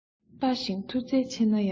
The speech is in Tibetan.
དཔའ ཞིང མཐུ རྩལ ཆེ ན ཡང